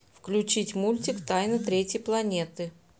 включить мультик тайна третьей планеты